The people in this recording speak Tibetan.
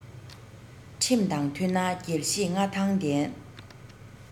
ཁྲིམས དང མཐུན ན རྒྱལ གཞིས མངའ ཐང ལྡན